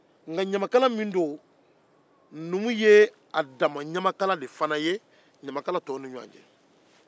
numu ye a dama ɲamakala de fana ye ɲamakala tɔw ni ɲɔgɔn cɛ